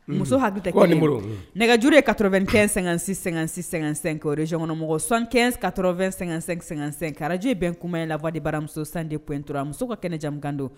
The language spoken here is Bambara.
Musow haju tɛ kelen o.Ko a numéro . Nɛgɛjuru ye: 95 56 56 55 o ye region kɔnɔ mɔgɔw ye 75 80 55 55 radio ye bɛnkuma ye la voix de baramuso 102.3 .